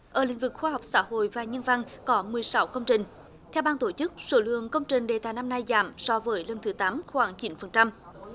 ở lĩnh vực khoa học xã hội và nhân văn có mười sáu công trình theo ban tổ chức số lượng công trình đề tài năm nay giảm so với lần thứ tám khoảng chín phần trăm